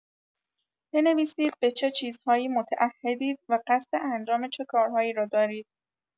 بنویسید به چه چیزهایی متعهدید و قصد انجام چه کارهایی را دارید.